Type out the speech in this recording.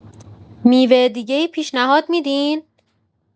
میوه دیگه‌ای پیشنهاد می‌دین؟